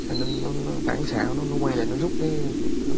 thế nó nó nó phản xạ nó quay lại nó rút cái